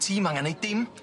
Ti'm angan neud dim.